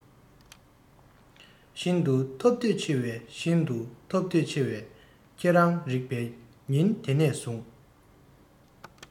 ཤིན ཏུ ཐོབ འདོད ཆེ བས ཤིན ཏུ ཐོབ འདོད ཆེ བས ཁྱེད དང རེག པའི ཉིན དེ ནས བཟུང